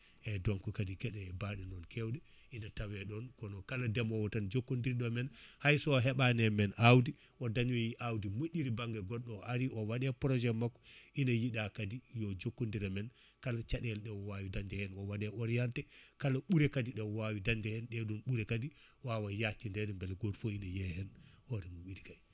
eyyi donc kadi gueɗe baɗe noon kewɗe ina tawe ɗon kono kala ndeemo tan jokkodirɗo men hayso heeɓani emen awdi o dañoyi awdi moƴƴiri bangue goɗɗo o ari o waɗe projet makko ina yiiɗa kadi yo jokkodir men kala caɗele ɗe o wawi dañde hen o waɗe orienté kala ɓuure kadi ɗe o wawi dañde hen ɗeɗon ɓuure kadi wawa yaccidede beele goto foof ina yiiya hen hoore mum Idy Gaye